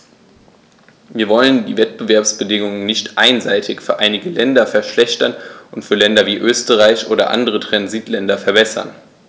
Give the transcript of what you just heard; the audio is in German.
Wir wollen die Wettbewerbsbedingungen nicht einseitig für einige Länder verschlechtern und für Länder wie Österreich oder andere Transitländer verbessern.